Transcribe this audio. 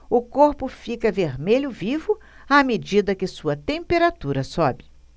o corpo fica vermelho vivo à medida que sua temperatura sobe